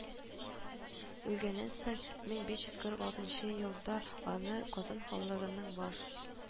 Үлгәннән соң, мең җиш йөз кырык алтынчы елда аны казан ханлыгының баш